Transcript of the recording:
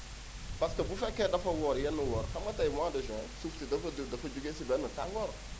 parce que bu fekkee dafa woori yenn mois xam nga tey mois de juin suuf si dafa ju dafa jugee si benn tàngoor